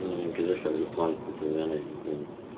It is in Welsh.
Ia achos ella fydd y plant yn tyfu fyny yn...